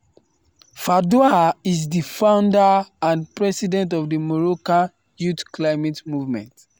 Fadoua is the founder and president of the Moroccan Youth Climate Movement.